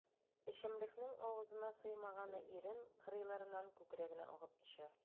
Эчемлекнең авызына сыймаганы ирен кырыйларыннан күкрәгенә агып төште.